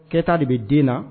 Kɛ ta de bɛ den na